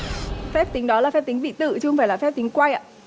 phép tính đó là phép tính vị tự chứ không phải là phép tính quay ạ